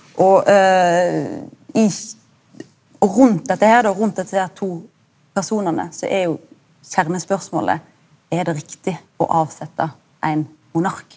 og i og rundt dette her då og rundt desse her to personane så er jo kjernespørsmålet, er det riktig å avsette ein monark?